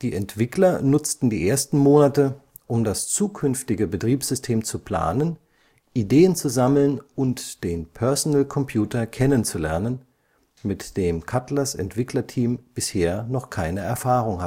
Entwickler nutzten die ersten Monate, um das zukünftige Betriebssystem zu planen, Ideen zu sammeln und den Personal Computer kennenzulernen, mit dem Cutlers Entwicklerteam bisher noch keine Erfahrung